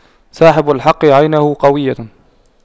صاحب الحق عينه قوية